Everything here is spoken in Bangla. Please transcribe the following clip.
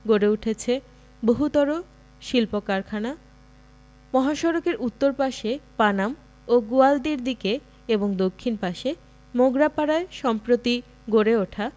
গড়ে উঠেছে বহুতর শিল্প কারখানা মহাসড়কের উত্তর পাশে পানাম ও গোয়ালদির দিকে এবং দক্ষিণ পাশে মোগরাপাড়ায় সম্প্রতি গড়ে ওঠা